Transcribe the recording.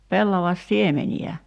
pellavansiemeniä